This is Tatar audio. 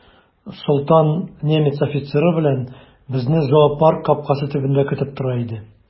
Солтан немец офицеры белән безне зоопарк капкасы төбендә көтеп тора иде.